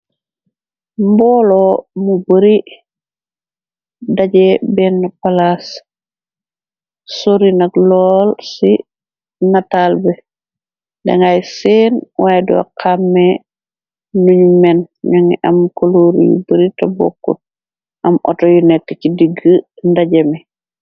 Mboolo mu bari daje benn palas sorinak lool ci natal be dangay seen waay do xàmme nuñu men ña ngi am koloor yu bari ta bokku am auto yu nekk ci digg ndaje mi.